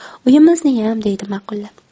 uyimizniyam deydi maqullab